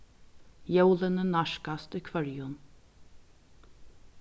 jólini nærkast í hvørjum